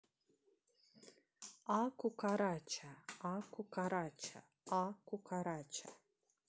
а кукарача а кукарача а кукарача